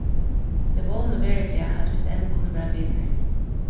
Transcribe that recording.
eg vóni veruliga at vit enn kunnu vera vinir